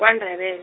kwaNdebele.